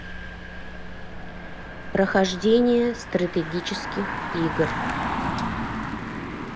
прохождение стратегических игр